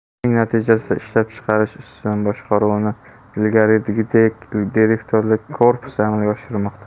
buning natijasida ishlab chiqarish ustidan boshqaruvni ilgarigidek direktorlik korpusi amalga oshirmoqda